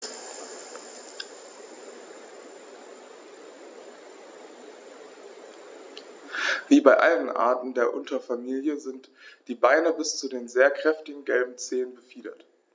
Wie bei allen Arten der Unterfamilie sind die Beine bis zu den sehr kräftigen gelben Zehen befiedert.